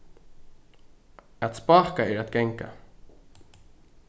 at spáka er at ganga